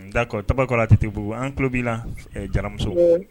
D'accord Tabakɔrɔ ATT buh=gu, an tulolo b'i la Jara muso.